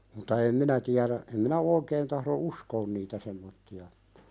mutta en minä tiedä en minä oikein tahdo uskoa niitä semmoisia että